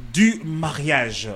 10 mariages